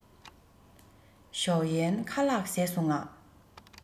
ཞའོ གཡན ཁ ལག བཟས སོང ངས